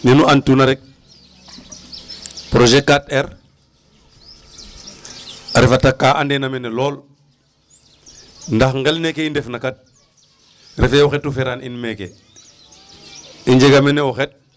A xaye koy ne nu andtuna rek projet 4R a refata ka andeena mene lool ndax nqel neke i ndefna kat refee o xet o feraand in meeke i njeg meene o xet.